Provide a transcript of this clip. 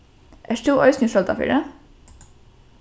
ert tú eisini úr søldarfirði